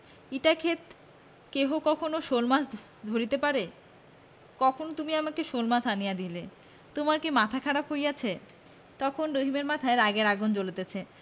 ইটা ক্ষেতে কেহ কখনো শোলমাছ ধরিতে পারে কখন তুমি আমাকে শোলমাছ আনিয়া দিলে তোমার কি মাথা খারাপ হইয়াছে তখন রহিমের মাথায় রাগের আগুন জ্বলিতেছে